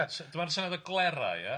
S- dyma'r syniad o glera, ia?